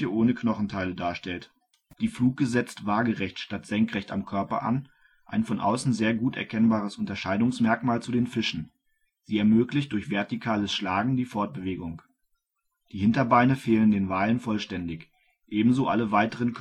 ohne Knochenteile darstellt. Die Fluke setzt waagerecht statt senkrecht am Körper an, ein von außen sehr gut erkennbares Unterscheidungsmerkmal zu den Fischen. Sie ermöglicht durch vertikales Schlagen die Fortbewegung. Die Hinterbeine fehlen den Walen vollständig, ebenso alle weiteren